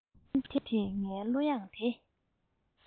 ཐན ཕྲུག དེས ངའི གླུ དབྱངས དེ